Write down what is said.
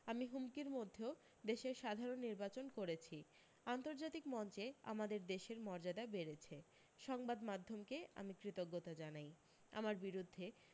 আমি হুমকির মধ্যেও দেশে সাধারণ নির্বাচন করেছি আন্তর্জাতিক মঞ্চে আমাদের দেশের মর্যাদা বেড়েছে সংবাদ মাধ্যমকে আমি কৃতজ্ঞতা জানাই আমার বিরুদ্ধে